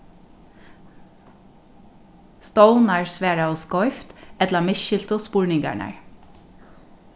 stovnar svaraðu skeivt ella misskiltu spurningarnar